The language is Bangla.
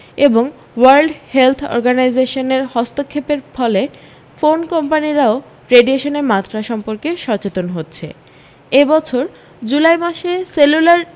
এবং ওয়ার্ল্ড হেলথ অর্গানাইজেশনের হস্তক্ষেপের ফলে ফোন কোম্পানিরাও রেডিয়েশনের মাত্রা সম্পর্কে সচেতন হচ্ছে এ বছর জুলাই মাসে সেলুলার